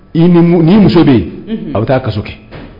Ni muso bɛ yen a bɛ taa ka kɛ